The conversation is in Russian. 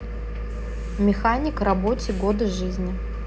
механик работе годы жизни